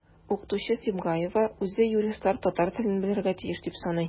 Укытучы Сибгаева үзе юристлар татар телен белергә тиеш дип саный.